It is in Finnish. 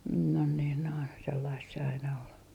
noin niin noin sellaista se aina oli